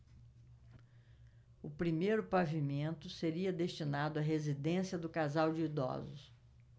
o primeiro pavimento seria destinado à residência do casal de idosos